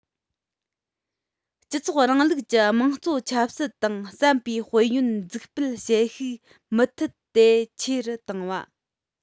སྤྱི ཚོགས རིང ལུགས ཀྱི དམངས གཙོ ཆབ སྲིད དང བསམ པའི དཔལ ཡོན འཛུགས སྤེལ བྱེད ཤུགས མུ མཐུད དེ ཆེ རུ བཏང བ